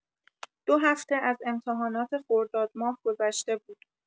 دو هفته از امتحانات خرداد ماه گذشته بود.